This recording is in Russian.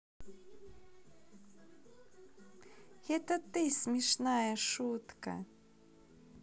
это ты смешная шутка